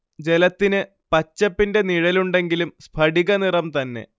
ജലത്തിന് പച്ചപ്പിന്റെ നിഴലുണ്ടെങ്കിലും സ്ഫടിക നിറം തന്നെ